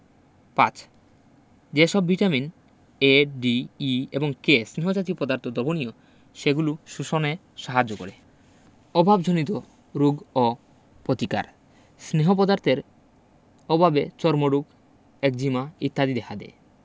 ৫ যে সব vitamin ADE এবং K স্নেহ জাতীয় পদার্থ দ্রবণীয় সেগুলো শোষণে সাহায্য করে অভাবজনিত রোগ ও প্রতিকার স্নেহ পদার্থের অভাবে চর্মরোগ একজিমা ইত্যাদি দেখা দেয়